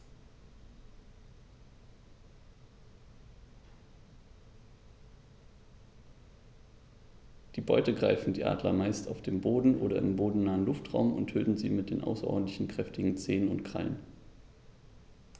Die Beute greifen die Adler meist auf dem Boden oder im bodennahen Luftraum und töten sie mit den außerordentlich kräftigen Zehen und Krallen.